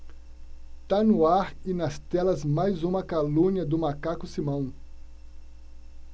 tá no ar e nas telas mais uma calúnia do macaco simão